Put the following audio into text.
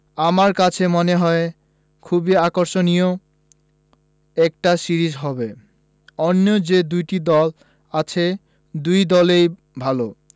আমার কাছে মনে হয় খুবই আকর্ষণীয় একটা সিরিজ হবে অন্য যে দুটি দল আছে দুই দলই ভালো